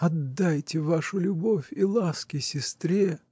отдайте вашу любовь и ласки сестре.